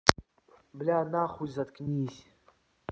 блядь нахуй и заткнись